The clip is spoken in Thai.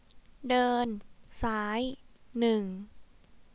เดินซ้ายหนึ่ง